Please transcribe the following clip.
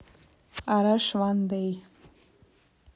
араш ван дей